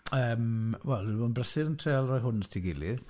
Yym wel, dwi'n 'di bod yn brysur yn treial rhoi hwn at ei gilydd.